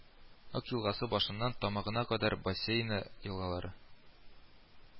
Ык елгасы башыннан тамагына кадәр бассейны елгалары